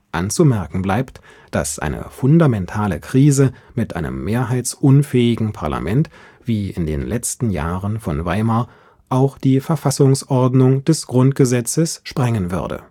Anzumerken bleibt, dass eine fundamentale Krise mit einem mehrheitsunfähigen Parlament, wie in den letzten Jahren von Weimar, auch die Verfassungsordnung des Grundgesetzes sprengen würde